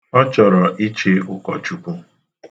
Ọ chọrọ ichi ụkọchukwu.